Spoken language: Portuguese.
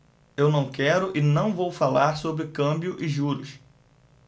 eu não quero e não vou falar sobre câmbio e juros